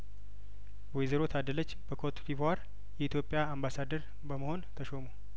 ወይዘሮ ታደለች በኮትዲቯር የኢትዮጵያ አምባሳደር በመሆን ተሾሙ